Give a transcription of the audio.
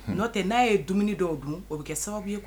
N nɔo tɛ n'a ye dumuni dɔw dun o bɛ kɛ sababu ye